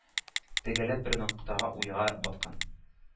Тегәлеп бер ноктага уйга баткан.